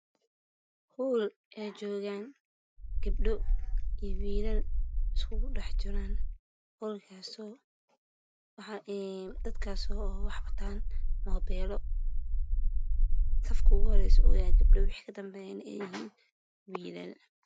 Hool ay joogan gabdho wiilal waxay wataan mobile ugu horayao gabdho wixii la danbeeyo wiilal